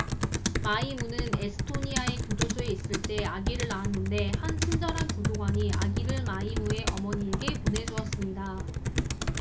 마이무는 에스토니아의 교도소에 있을 때 아기를 낳았는데 한 친절한 교도관이 아기를 마이무의 어머니에게 보내 주었습니다